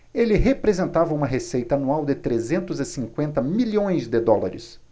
ele representava uma receita anual de trezentos e cinquenta milhões de dólares